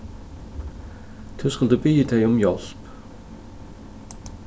tú skuldi biðið tey um hjálp